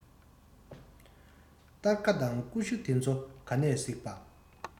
སྟར ཁ དང ཀུ ཤུ དེ ཚོ ག ནས གཟིགས པྰ